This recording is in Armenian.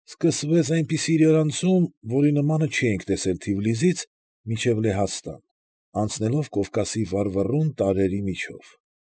Սկսվեց այնպիսի իրարանցում, որի նմանը չէինք տեսել Թիֆլիսից մինչև Լեհաստան, անցնելով Կովկասի վառվռուն տարրերի միջով։